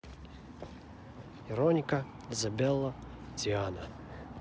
вероника изабелла диана